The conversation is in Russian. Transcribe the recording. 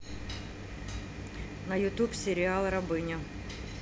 на ютубе сериал рабыня